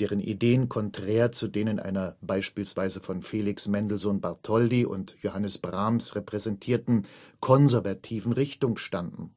deren Ideen konträr zu denen einer beispielsweise von Felix Mendelssohn Bartholdy und Johannes Brahms repräsentierten „ konservativen “Richtung standen